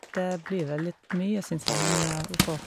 Det blir vel litt mye, synes jeg, men OK.